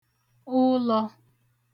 ụlọ̄